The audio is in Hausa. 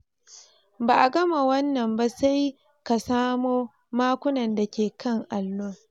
Ba’a gama wannan ba sai ka samo makunan dake kan allo.